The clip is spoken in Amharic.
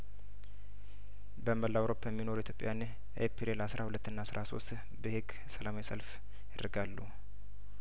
በመላ አውሮፓ የሚኖሩ ኢትዮጵያዊያን ኤፕሪል አስራ ሁለት እና አስራ ሶስት በሄግ ሰላማዊ ሰልፍ ያደርጋሉ